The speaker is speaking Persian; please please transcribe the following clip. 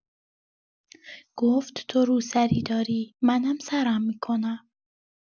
گفت تو روسری داری، منم سرم می‌کنم.